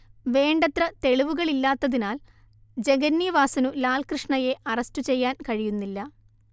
വേണ്ടത്ര തെളിവുകളില്ലാത്തതിനാൽ ജഗന്നിവാസനു ലാൽകൃഷ്ണയെ അറസ്റ്റു ചെയ്യാൻ കഴിയുന്നില്ല